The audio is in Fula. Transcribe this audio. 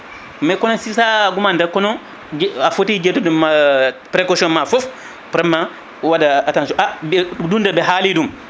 mais kono sisa gumani tan kono a foti ƴettude précotion ma foof pour ma waɗa attention a ɓe ɗum de ɓe haali ɗum